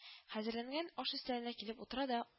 Хәзерләнгән аш өстәленә килеп утыра да